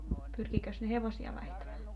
pyrkikös ne hevosia vaihtamaan